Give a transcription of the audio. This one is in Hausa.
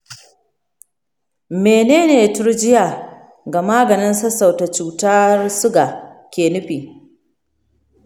mene ne turjiya ga maganin sassauta cuta suga ke nufi?